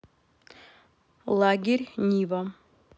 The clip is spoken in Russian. лагерь нива